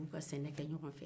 u y'u ka sɛnɛ kɛ ɲɔgɔn fɛ